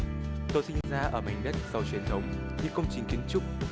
tôi sinh ra ở mảnh đất giàu truyền thống những công trình kiến trúc